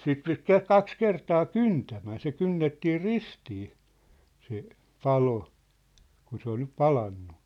sitä piti - kaksi kertaa kyntämän se kynnettiin ristiin se palo kun se oli nyt palanut